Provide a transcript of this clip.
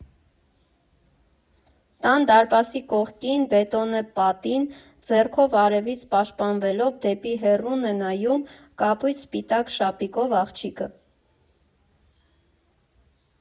Տան դարպասի կողքին՝ բետոնե պատին, ձեռքով արևից պաշտպանվելով դեպի հեռուն է նայում կապույտ֊սպիտակ շապիկով աղջիկը.